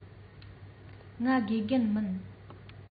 ང དགེ རྒན མིན